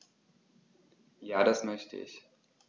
Ja, das möchte ich.